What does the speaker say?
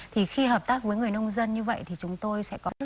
thì khi hợp tác với người nông dân như vậy thì chúng tôi sẽ có